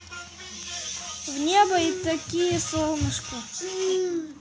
в небо и такие солнышко